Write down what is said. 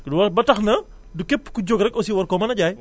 lu ba tax na du képp ku jóg rek aussi war koo mën a jaay